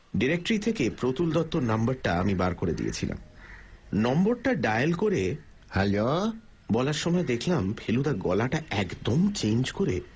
directory থেকে প্রতুল দত্তর নম্বরটা আমি বার করে দিয়েছিলাম নম্বরটা ডায়াল করে হ্যালো বলার সময় দেখলাম ফেলুদা গলাটা একদম চেঞ্জ করে